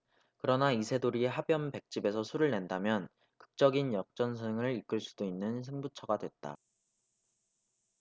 그러나 이세돌이 하변 백집에서 수를 낸다면 극적인 역전승을 이끌 수도 있는 승부처가 됐다